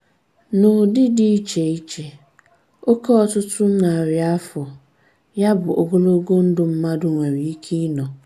CB: N'ụdị dị iche iche, oke ọtụtụ narị afọ, ya bụ ogologo ndụ mmadụ nwere ike ị nọ.